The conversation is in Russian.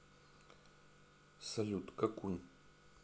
салют какунь